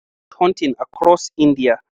Witch-hunting across India